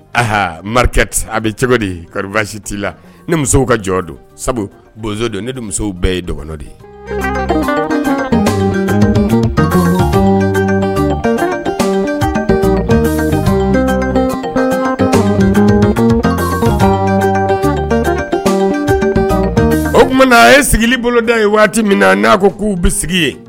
A marikɛ a bɛ cogo di karisi ti la ne musow ka jɔ don sabu bo don ne de musow bɛɛ ye dɔgɔ de ye o tumaumana na a ye sigili boloda ye waati min na n'a ko k'u bɛ sigi ye